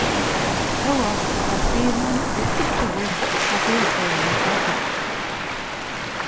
hóast tú sært bilin er ikki víst at bilførarin sær teg